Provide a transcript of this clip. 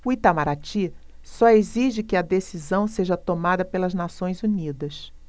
o itamaraty só exige que a decisão seja tomada pelas nações unidas